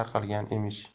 o'shandan tarqalgan emish